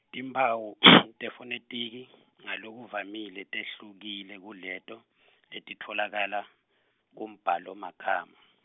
timphawu tefonethiki, ngalokuvamile tehlukile kuleto, letitfolakala, kumbhalomagama.